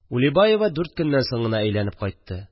Улибаева дүрт көннән соң гына әйләнеп кайтты